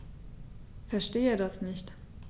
Verstehe das nicht.